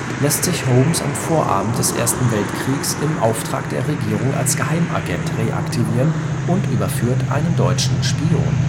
Holmes am Vorabend des Ersten Weltkriegs im Auftrag der Regierung als Geheimagent reaktivieren und überführt einen deutschen Spion